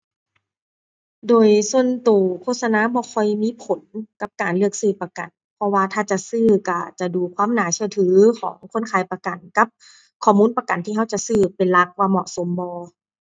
โดยส่วนตัวโฆษณาบ่ค่อยมีผลกับการเลือกซื้อประกัน เพราะว่าถ้าจะซื้อตัวจะดูความน่าเชื่อถือของคนขายประกันกับข้อมูลประกันที่ตัวจะซื้อเป็นหลักว่าเหมาะสมบ่